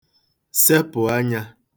sepụ̀ anyā